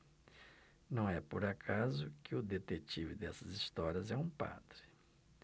não é por acaso que o detetive dessas histórias é um padre